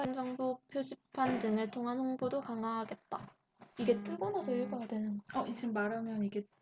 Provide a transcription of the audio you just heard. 고속도로 교통정보 표시판 등을 통한 홍보도 강화하겠다